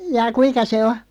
jaa kuinka se on